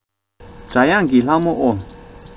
སྒྲ དབྱངས ཀྱི ལྷ མོ ཨོ